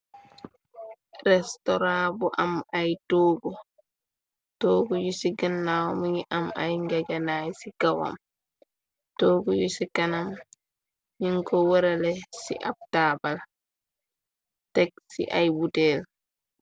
Restoran bu am ay toogu, toogu yu ci gennaaw mingi am ay njegenai ci gawam. Toogu yu ci kanam nin ko worale ci ab taabul, teg ci ay butéél.